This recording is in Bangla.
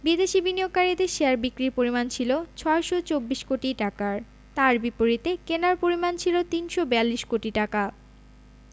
বিদেশি বিনিয়োগকারীদের শেয়ার বিক্রির পরিমাণ ছিল ৬২৪ কোটি টাকার তার বিপরীতে কেনার পরিমাণ ছিল ৩৪২ কোটি টাকা